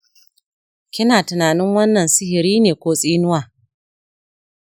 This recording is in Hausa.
kina tunanin wannan sihiri ne ko tsinuwa?